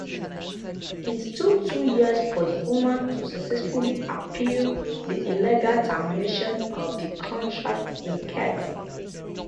It took two years for the woman to successfully appeal the illegal termination of the contract in court.